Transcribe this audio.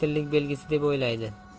yakdillik belgisi deb o'ylaydi